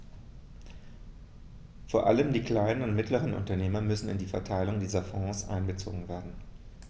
Vor allem die kleinen und mittleren Unternehmer müssen in die Verteilung dieser Fonds einbezogen werden.